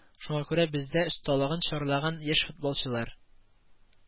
Шуңа күрә бездә осталыгын чарлаган яшь футболчылар